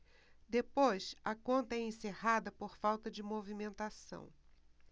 depois a conta é encerrada por falta de movimentação